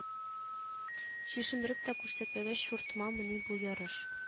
Чишендереп тә күрсәтмәгәч чуртымамыни бу ярыш